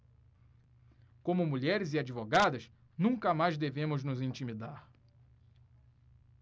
como mulheres e advogadas nunca mais devemos nos intimidar